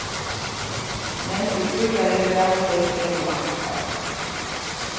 men í hvørjari vælferð eru ampar